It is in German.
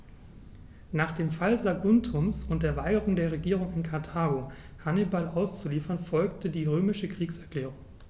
Nach dem Fall Saguntums und der Weigerung der Regierung in Karthago, Hannibal auszuliefern, folgte die römische Kriegserklärung.